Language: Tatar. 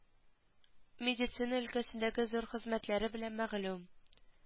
Медицина өлкәсендәге зур хезмәтләре белән мәгълүм